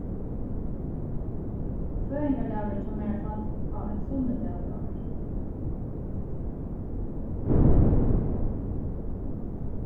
føðingardagurin hjá mær fall á ein sunnudag í ár